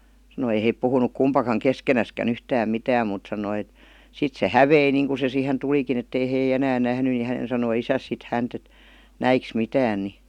sanoi ei he puhunut kumpikaan keskenäänkään yhtään mitään mutta sanoi että sitten se hävisi niin kuin se siihen tulikin että ei he enää nähnyt niin hänen sanoi isänsä sitten häntä että näitkös mitään niin